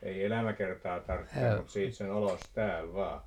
ei elämäkertaa tarvitse mutta siitä sen olosta täällä vain